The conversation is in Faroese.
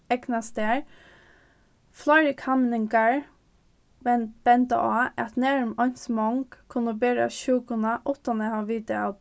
eygnastar fleiri kanningar benda á at nærum eins mong kunnu bera sjúkuna uttan at hava vitað av